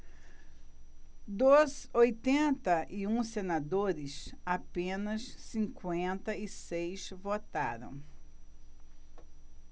dos oitenta e um senadores apenas cinquenta e seis votaram